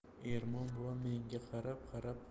ermon buva menga qarab qarab qo'yadi